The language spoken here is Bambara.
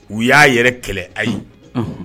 U y'a yɛrɛ kɛlɛ a ye